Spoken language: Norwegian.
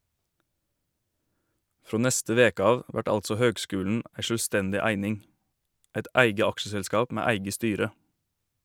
Frå neste veke av vert altså høgskulen ei sjølvstendig eining, eit eige aksjeselskap med eige styre.